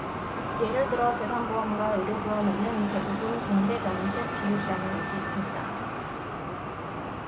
예를 들어 재산 보험과 의료 보험에는 대부분 공제 면책 비율이라는 것이 있습니다